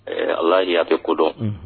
Ɛɛ, Alhadji a bɛ ko don.